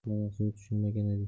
ma'nosiga tushunmagan edi